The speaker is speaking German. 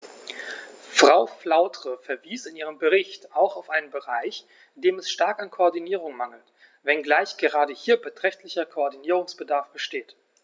Frau Flautre verwies in ihrem Bericht auch auf einen Bereich, dem es stark an Koordinierung mangelt, wenngleich gerade hier beträchtlicher Koordinierungsbedarf besteht.